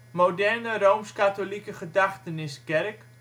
moderne rooms-katholieke Gedachteniskerk